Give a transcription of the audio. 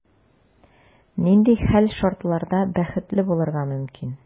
Нинди хәл-шартларда бәхетле булырга мөмкин?